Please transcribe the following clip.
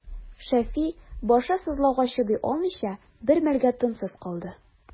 Шәфи, башы сызлауга чыдый алмыйча, бер мәлгә тынсыз калды.